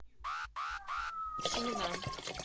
семена